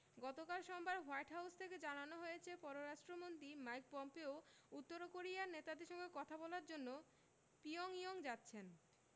গতকাল সোমবার White House থেকে জানানো হয়েছে পররাষ্ট্রমন্ত্রী মাইক পম্পেও উত্তর কোরিয়ার নেতাদের সঙ্গে কথা বলার জন্য পিয়ংইয়ং যাচ্ছেন